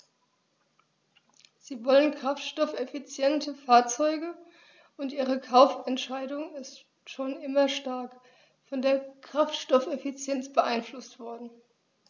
Sie wollen kraftstoffeffiziente Fahrzeuge, und ihre Kaufentscheidung ist schon immer stark von der Kraftstoffeffizienz beeinflusst worden.